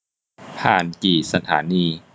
ผ่านกี่สถานี